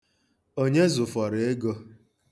Onye zụfọrọ ego?